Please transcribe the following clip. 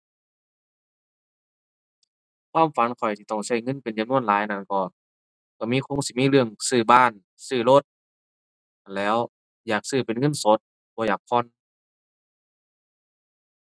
ความฝันข้อยที่ต้องใช้เงินเป็นจำนวนหลายนั่นก็ ใช้มี คงสิมีเรื่องซื้อบ้าน ซื้อรถนั่นแหล้ว อยากซื้อเป็นเงินสด บ่อยากผ่อน